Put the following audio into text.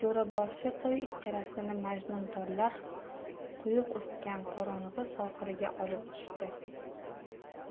jo'raboshi toy ikkalamizni majnuntollar quyuq o'sgan qorong'i sohilga olib tushdi